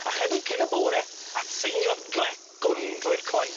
A chydig cyn y bore atseiniodd glec gwn drwy'r coed.